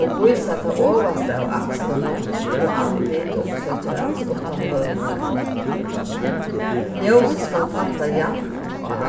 og vísa tað ovasta av akslunum og andlit umsøkjarans uttan høvuðklæði ljósið skal falla javnt á